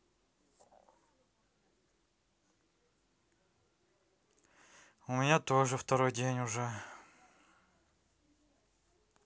у меня тоже второй день уже